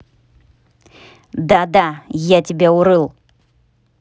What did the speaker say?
да да я тебя урыл